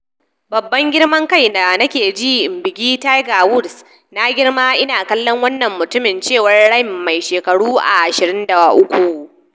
“Babban girman kai da nake ji, in bugi Tiger Woods, na girma ina kallon wannan mutumin, "cewar Rahm mai shekaru 23.